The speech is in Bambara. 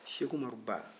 seku umaru ba